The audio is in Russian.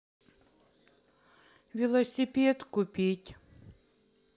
велосипед купить